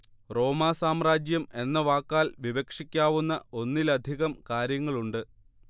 റോമാ സാമ്രാജ്യം എന്ന വാക്കാൽ വിവക്ഷിക്കാവുന്ന ഒന്നിലധികം കാര്യങ്ങളുണ്ട്